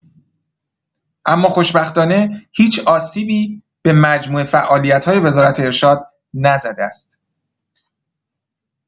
اما خوشبختانه هیچ آسیبی به مجموعه فعالیت‌های وزارت ارشاد نزده است.